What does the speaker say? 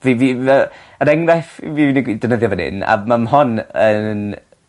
Fi fi fe- yr enghreff defnyddio fan 'yn a ma'n hon yn